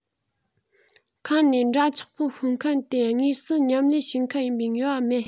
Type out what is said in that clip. ཁ ནས འདྲ ཆགས པོ ཤོད མཁན དེ དངོས སུ ཉམས ལེན བྱེད མཁན ཡིན པའི ངེས པ མེད